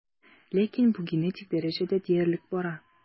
Ләкин бу генетик дәрәҗәдә диярлек бара.